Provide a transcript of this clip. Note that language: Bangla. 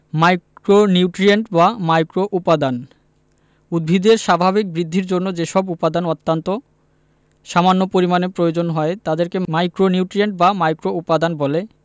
মাইক্রোনিউট্রিয়েন্ট বা মাইক্রোউপাদান উদ্ভিদের স্বাভাবিক বৃদ্ধির জন্য যেসব উপাদান অত্যন্ত সামান্য পরিমাণে প্রয়োজন হয় তাদেরকে মাইক্রোনিউট্রিয়েন্ট বা মাইক্রোউপাদান বলে